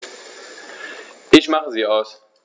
Ich mache sie aus.